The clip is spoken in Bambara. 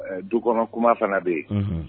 Dukɔnɔ kuma fana bɛ yen